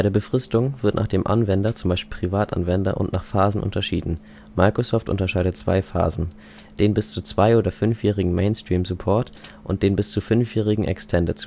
Befristung wird nach dem Anwender (z. B. Privatanwender) und nach Phasen unterschieden. Microsoft unterscheidet zwei Phasen: Den bis zu zwei - oder fünfjährigen Mainstream Support und den bis zu fünfjährigen Extended Support